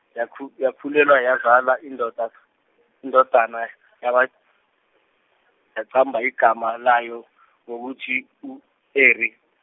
yakhu- yakhulelwa yazala indoda- indodana , yaqa- yaqamba igama layo ngokuthi uEri.